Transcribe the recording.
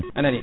anani